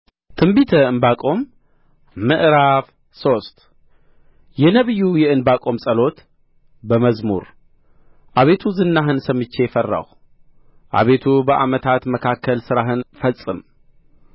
ትንቢተ ዕንባቆም ምዕራፍ ሶስት የነቢዩ የዕንባቆም ጸሎት በመዝሙር አቤቱ ዝናህን ሰምቼ ፈራሁ አቤቱ በዓመታት መካከል ሥራህን ፈጽም